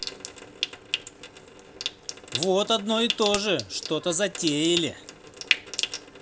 вот одно и то же что то затеяли